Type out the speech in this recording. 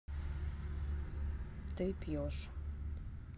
ты пьешь